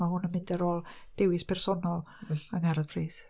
Ma' hwn yn mynd ar ôl dewis personol Angharad Price.